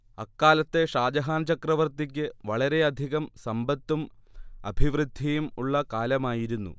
അക്കാലത്തെ ഷാജഹാൻ ചക്രവർത്തിക്ക് വളരെയധികം സമ്പത്തും അഭിവൃദ്ധിയും ഉള്ള കാലമായിരുന്നു